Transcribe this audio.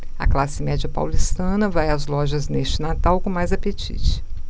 a classe média paulistana vai às lojas neste natal com mais apetite